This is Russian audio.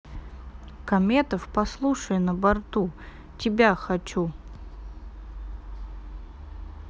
кометов послушай на борту тебя хочу